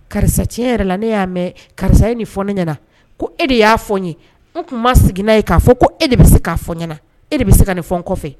Karisa tiɲɛ yɛrɛ ne y'a mɛn karisa ye nin fɔn ɲɛna ko e de y'a fɔ n ye n tun ma seginna'a ye k'a fɔ ko e de bɛ se k'a fɔ ɲɛna e de bɛ se ka nin fɔ kɔfɛ